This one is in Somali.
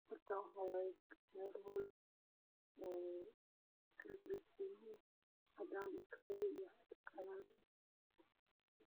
Waa maqaayad maxaa yeelay kuraas cadaan iyo miisaas cadaan wiil shaati aadka ayaa taagan badda ayaa ka danbeyso